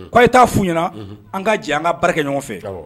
K'a ye ta f'u ɲɛna, an ka jɛ an ka baara kɛ ɲɔgɔn fɛ